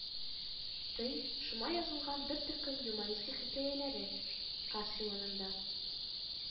Тый шома язылган бер төркем юмористик хикәяләре («касса янында»,